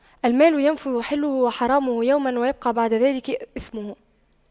المال ينفد حله وحرامه يوماً ويبقى بعد ذلك إثمه